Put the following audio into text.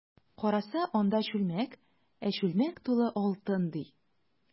Караса, анда— чүлмәк, ә чүлмәк тулы алтын, ди.